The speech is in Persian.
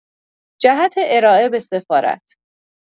جهت ارائه به سفارت